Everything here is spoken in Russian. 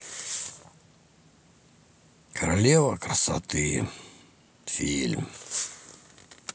королева красоты фильм